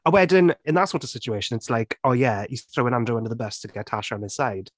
A wedyn in that sort of situation it’s like, oh yeah, he’s throwing Andrew under the bus to get Tasha on his side.